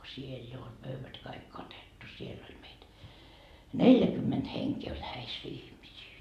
siellä jo oli pöydät kaikki katettu siellä oli meitä neljäkymmentä henkeä oli häissä ihmisiä